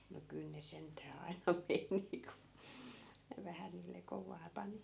no kyllä ne sentään aina meni kun ne vähän niille kovaa pani